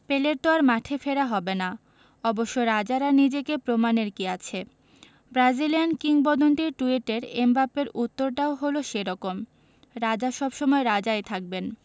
পেলের তো আর মাঠে ফেরা হবে না অবশ্য রাজার আর নিজেকে প্রমাণের কী আছে ব্রাজিলিয়ান কিংবদন্তির টুইটের এমবাপ্পের উত্তরটাও হলো সে রকম রাজা সব সময় রাজাই থাকবেন